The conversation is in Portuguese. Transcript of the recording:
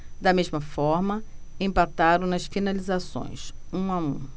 da mesma forma empataram nas finalizações um a um